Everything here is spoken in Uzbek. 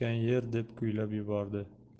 yer deb kuylab yubordi